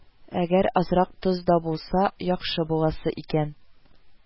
Әгәр азрак тоз да булса, яхшы буласы икән